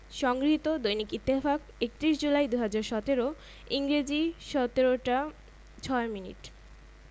সংগৃহীত দৈনিক ইত্তেফাক ৩১ জুলাই ২০১৭ইংরেজি ১৭ টা ৬ মিনিট